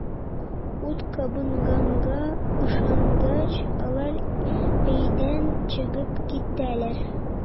Ут кабынганга ышангач, алар өйдән чыгып киттеләр.